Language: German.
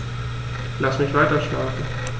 Lass mich weiterschlafen.